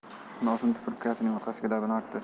nosini tupurib kaftining orqasiga labini artdi